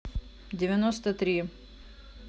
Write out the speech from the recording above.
девяносто три